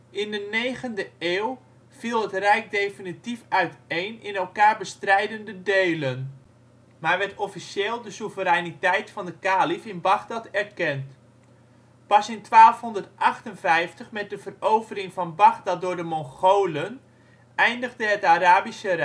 In de 9e eeuw viel het rijk definitief uiteen in elkaar bestrijdende delen, maar werd officieel de suzereiniteit van de kalief in Bagdad erkend. Pas in 1258 met de verovering van Bagdad door de Mongolen eindigde het Arabische